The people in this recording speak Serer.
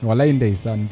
walay ndeysaan ndigilo waay